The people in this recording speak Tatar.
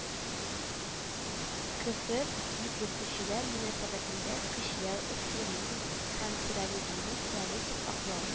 - «көфер» дип йөртелүчеләр мөнәсәбәтендә, көчләү, экстремизм һәмтерроризмны теоретик аклау;